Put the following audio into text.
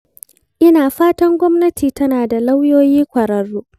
Ina fatan gwamnati tana da lauyoyi ƙwararru.